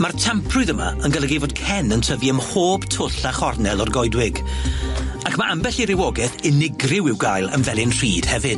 Ma'r tamprwydd yma yn golygu fod cen yn tyfu ym mhob twll a chornel o'r goedwig ac ma' ambell i rywogeth unigryw i'w gael yn Felyn Rhyd hefyd.